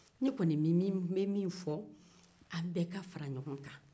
ne kɔni bɛ min fɔ an bɛɛ ka fara ɲɔgɔn kan